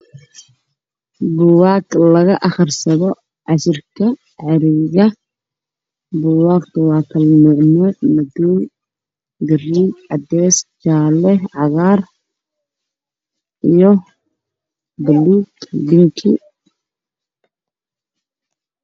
Waa buugag waxa ku sawiran nin